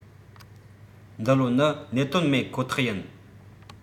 འདི ལོ ནི གནད དོན མེད ཁོ ཐག ཡིན